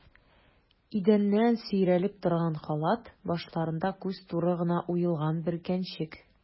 Идәннән сөйрәлеп торган халат, башларында күз туры гына уелган бөркәнчек.